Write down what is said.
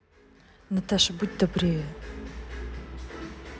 наташа будь добрее